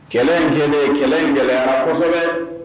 Kɛlɛ in kelen kɛlɛ in gɛlɛyara kosɛbɛ